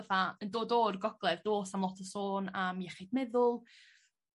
Fatha yn dod o 'r gogledd do's na'm lot o sôn am iechyd meddwl.